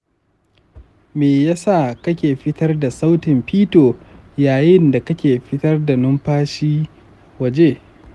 me yasa kake fitar da sautin fito yayin da kake fitar da numfashi waje?